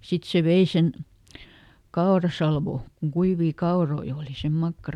sitten se vei sen kaurasalvon kun kuivia kauroja oli se makkara